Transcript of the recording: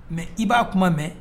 Mais i b'a kuma mɛ